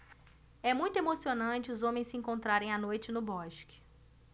é muito emocionante os homens se encontrarem à noite no bosque